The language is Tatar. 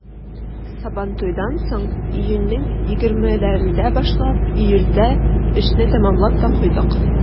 Сабантуйдан соң, июньнең 20-ләрендә башлап, июльдә эшне тәмамлап та куйдык.